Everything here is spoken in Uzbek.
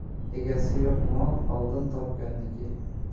egasi yo'q mol oldin topganniki